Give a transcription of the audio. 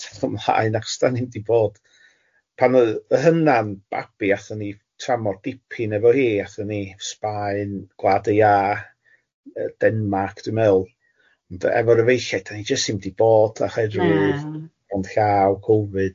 ymlaen achos da ni'm di bod pan oedd y hynna'n babi athon ni tramor dipyn efo hi athon ni Sbaen, Gwlad y Ia, yy Denmarc dwi'n mewl ond efo'r efeilliaid dan ni jyst ddim di bod oherwydd rw ia ond llaw Covid.